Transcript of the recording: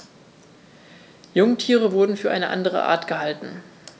Jungtiere wurden für eine andere Art gehalten.